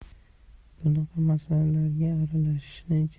bunaqa masalalarga aralashishni